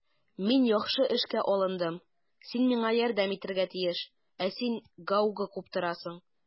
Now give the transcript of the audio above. Мин яхшы эшкә алындым, син миңа ярдәм итәргә тиеш, ә син гауга куптарасың.